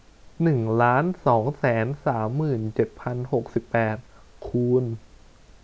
หนึ่งล้านสองแสนสามหมื่นเจ็ดพันหกสิบแปดคูณ